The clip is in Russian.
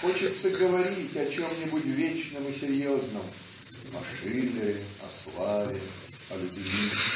Хочется говорить о чем-нибудь вечном и серьезном "о Шиллере о славе о любви".